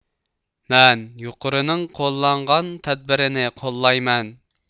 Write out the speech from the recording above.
مەن يۇقىرىنىڭ قوللانغان تەدبىرىنى قوللايمەن